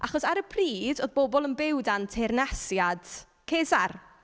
Achos ar y pryd, oedd pobl yn byw dan teyrnasiad Cesar.